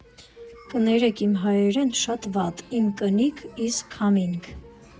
Կներեք, իմ հայերեն շատ վատ, իմ կնիկ իզ քամինգ։